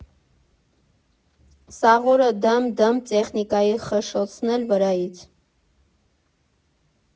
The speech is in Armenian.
Սաղ օրը դըմբ֊դըմբ, տեխնիկայի խշշոցն էլ վրայից…